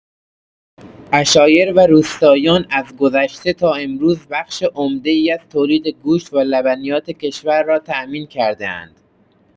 عشایر و روستاییان از گذشته تا امروز بخش عمده‌ای از تولید گوشت و لبنیات کشور را تأمین کرده‌اند.